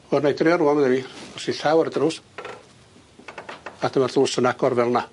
Wel na'i drio rŵan medde fi. Rhos i llaw ar y drws a dyma'r ddrws yn agor fel 'na.